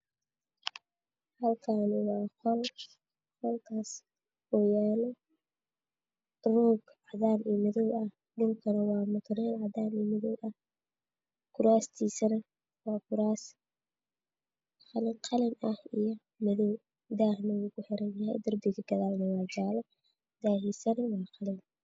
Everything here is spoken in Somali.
Meeshani waa qol qolkaani waxaa yaalo roog cadaan iyo madow ah daahna wuu kuxidhn yhy